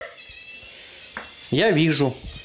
я вижу